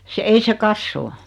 se ei se kasva